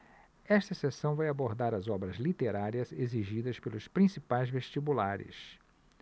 esta seção vai abordar as obras literárias exigidas pelos principais vestibulares